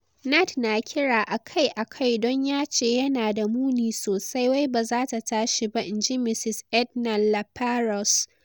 "Nad na kira a kai a kai don ya ce yana da muni sosai, wai bazata tashi ba," in ji Mrs Ednan-Laperouse.